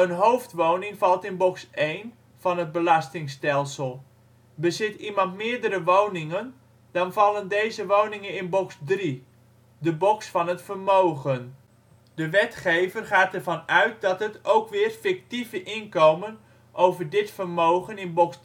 hoofdwoning valt in box 1 van het belastingstelsel. Bezit iemand meerdere woningen? Dan vallen deze woningen in box 3 (de box van het vermogen). De wetgever gaat ervan uit dat het (ook weer) fictieve inkomen over dit vermogen (in box